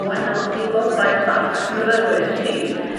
o wahanol ailodau staff ac myfyrwyr sydd